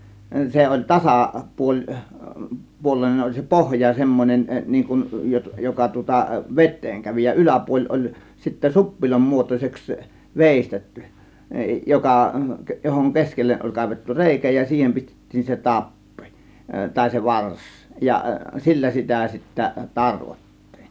se oli -- tasapuolinen oli se pohja semmoinen niin kuin - joka tuota veteen kävi ja yläpuoli oli sitten suppilon muotoiseksi veistetty joka johon keskelle oli kaivettu reikä ja siihen pistettiin se tappi tai se varsi ja sillä sitä sitten tarvottiin